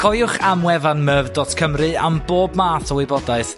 Cofiwch am wefan myf dot Cymru am bob math o wybodaeth